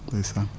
ndeysaan